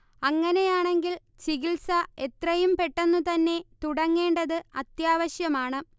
അങ്ങനെയാണെങ്കിൽ ചികിത്സ എത്രയും പെട്ടെന്നു തന്നെ തുടങ്ങേണ്ടത് അത്യാവശ്യമാണ്